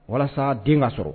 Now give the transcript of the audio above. Walasa den'a sɔrɔ